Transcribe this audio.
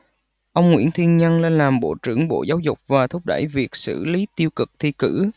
ông nguyễn thiên nhân lên làm bộ trưởng bộ giáo dục và thúc đầy việc xử lý tiêu cực thi cử